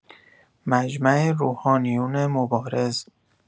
مجمع روحانیون مبارز